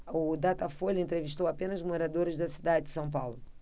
o datafolha entrevistou apenas moradores da cidade de são paulo